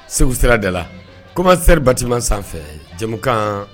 Segu sira da la koma seri batiman sanfɛ jamukan